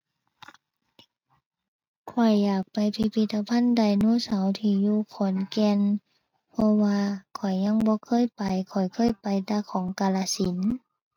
ข้อยอยากไปพิพิธภัณฑ์ไดโนเสาร์ที่อยู่ขอนแก่น เพราะว่าข้อยยังบ่เคยไป ข้อยเคยไปแต่ของกาฬสินธุ์